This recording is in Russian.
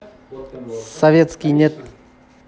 советский нет